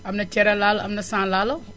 am na cere laalo am na sans laalo